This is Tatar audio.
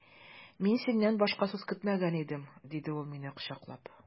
Мин синнән башка сүз көтмәгән идем, диде ул мине кочаклап.